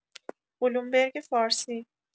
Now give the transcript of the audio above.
بلومبرگ فارسی